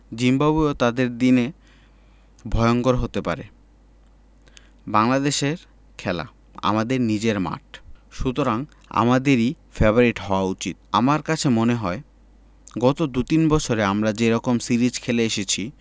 জিম্বাবুয়েও তাদের দিনে ভয়ংকর হতে পারে বাংলাদেশে খেলা আমাদের নিজেদের মাঠ সুতরাং আমাদেরই ফেবারিট হওয়া উচিত আমার কাছে মনে হয় গত দু তিন বছরে আমরা যে রকম সিরিজ খেলে এসেছি